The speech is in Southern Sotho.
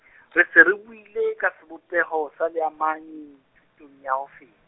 re se re buile, ka sebopeho, sa leamanyi, thutong ya ho fe-.